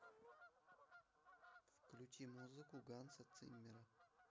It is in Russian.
включи музыку ганса циммера